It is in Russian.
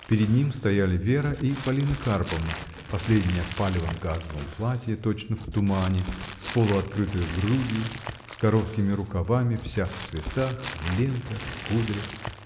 Перед ним стояли Вера и Полина Карповна, последняя в палевом газовом платье, точно в тумане, с полуоткрытою грудью, с короткими рукавами, вся в цветах, в лентах, в кудрях.